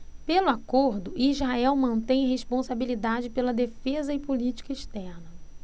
pelo acordo israel mantém responsabilidade pela defesa e política externa